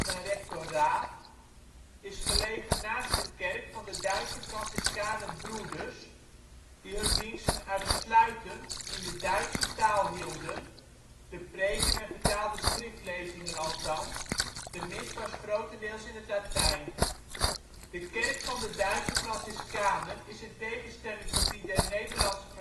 rectoraat - is gelegen naast de kerk van de Duitse franciscaner broeders die hun diensten uitsluitend in de Duitse taal hielden (de preken en vertaalde schriftlezingen althans, de Mis was grotendeels in het Latijn). De kerk van de Duitse Franciscanen is in tegenstelling tot die der Nederlandse